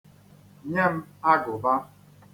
Nye m agụba.